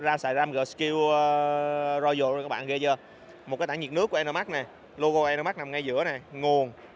ram xài ram gskill royal luôn nè ghê chưa một cái tản nhiệt nước của enermax này logo enermax nằm ngay giữa nè nguồn